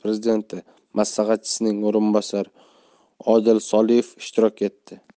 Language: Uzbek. prezidenti maslahatchisining o'rinbosari odil soliyev ishtirok etdi